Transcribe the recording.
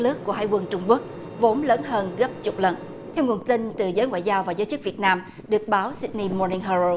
lướt của hải quân trung quốc vốn lớn hơn gấp chục lần theo nguồn tin từ giới ngoại giao và giới chức việt nam được báo sít ni mo ninh ha râu